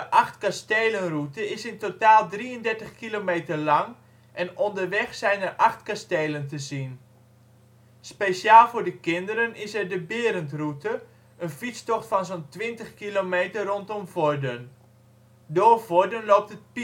achtkastelenroute is in totaal 33 kilometer lang en onderweg zijn er acht kastelen te zien. Speciaal voor kinderen is er de Berendroute, een fietstocht van zo 'n 20 kilometer rondom Vorden. Door Vorden loopt